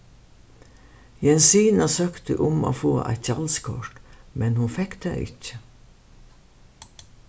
jensina søkti um at fáa eitt gjaldskort men hon fekk tað ikki